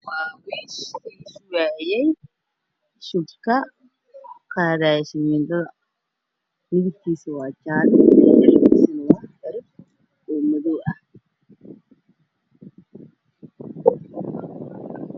Waa wish sugayey shubka qaadayo shamiindada midabkiisu waa jaale kursigana waa cirif madow ah